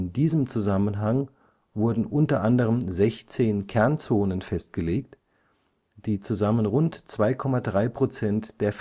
diesem Zusammenhang wurden u. a. 16 Kernzonen festgelegt, die zusammen rund 2,3 Prozent der